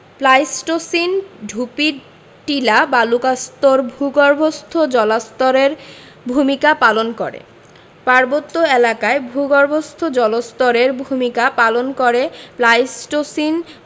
Pleistocene Dupi Tila বালুকাস্তর ভূগর্ভস্থ জলস্তরের ভূমিকা পালন করে পার্বত্য এলাকায় ভূগর্ভস্থ জলস্তরের ভূমিকা পালন করে প্লাইসটোসিন